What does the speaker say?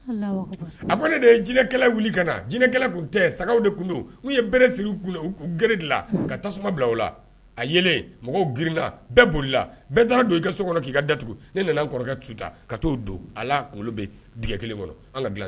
Tɛ saga tun ye siri g bere tasuma bila a grinna bɛɛ bolila bɛɛ taara don i ka so kɔnɔ da ne nana kɔrɔkɛ ka don kunkolo bɛ kelen kɔnɔ